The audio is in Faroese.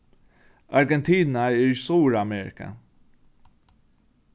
argentina er í suðuramerika